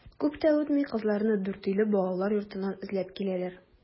Күп тә үтми кызларны Дүртөйле балалар йортыннан эзләп киләләр.